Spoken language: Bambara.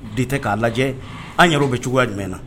De tɛ k'a lajɛ an yɛrɛ bɛ cogoya jumɛn na